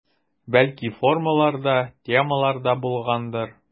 Бәлки формалар да, темалар да булгандыр.